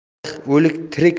tarix o'lik tirik